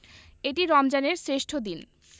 এটি রমজানের শ্রেষ্ঠ দিন